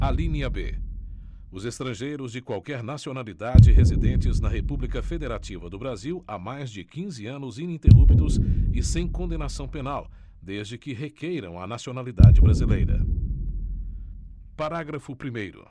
alínea b os estrangeiros de qualquer nacionalidade residentes na república federativa do brasil há mais de quinze anos ininterruptos e sem condenação penal desde que requeiram a nacionalidade brasileira parágrafo primeiro